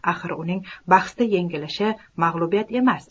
axir uning bahsda yengilishi mag'lubiyat emas